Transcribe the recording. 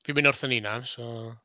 Fi'n mynd wrth yn hunan so...